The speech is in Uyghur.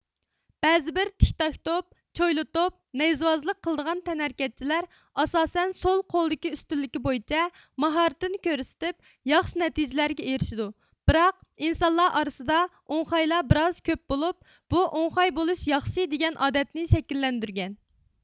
بەزىبىر تىك تاك توپ چويلا توپ نەيزىۋازلىق قىلىدىغان تەنھەرىكەتچىلەر ئاساسەن سول قولدىكى ئۈستۈنلۈكى بويىچە ماھارىتىنى كۆرسىتىپ ياخشى نەتىجىلەرگە ئېرىشىدۇ بىراق ئىنسانلار ئارىسىدا ئوڭخايلار بىر ئاز كۆپ بولۇپ بۇ ئوڭخاي بولۇش ياخشى دېگەن ئادەتنى شەكىللەندۈرگەن